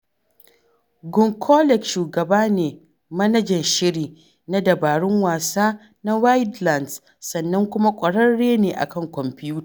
GunChleoc shugaba ne (manajan shiri) na dabarun wasa na Widelands sannan kuma ƙwararre ne a kan kwamfuta.